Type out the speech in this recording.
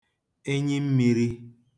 enyi mmīrī